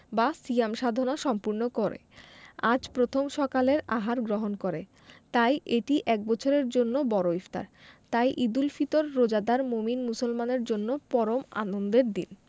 বা সিয়াম সাধনা সম্পূর্ণ করে আজ প্রথম সকালের আহার গ্রহণ করে তাই এটি এক বছরের জন্য বড় ইফতার তাই ঈদুল ফিতর রোজাদার মোমিন মুসলিমের জন্য পরম আনন্দের দিন